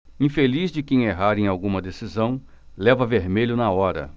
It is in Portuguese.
infeliz de quem errar em alguma decisão leva vermelho na hora